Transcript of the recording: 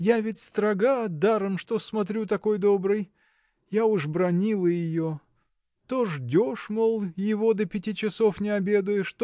Я ведь строга, даром что смотрю такой доброй. Я уж бранила ее То ждешь мол его до пяти часов не обедаешь